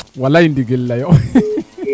walay ndigil leyo